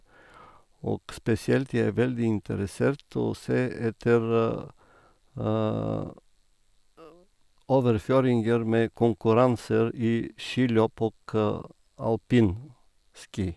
Og spesielt jeg er veldig interessert å se etter overføringer med konkurranser i skiløp og alpinski.